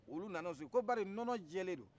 olu nan'u sigi ko bari nɔnɔ jɛlen don